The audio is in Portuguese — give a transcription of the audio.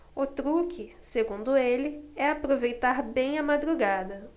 o truque segundo ele é aproveitar bem a madrugada